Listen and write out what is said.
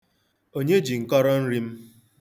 Onye ji nkọrọnri m?